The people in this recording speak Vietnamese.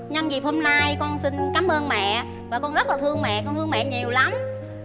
nhân dịp hôm nay con xin cám ơn mẹ và con rất là thương mẹ con thương mẹ nhiều lắm